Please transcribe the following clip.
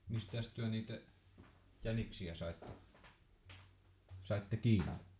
mistäs te niitä jäniksiä saitte saitte kiinni